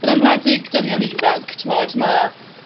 Yn enwedig dynion ifanc. T'mod, ma'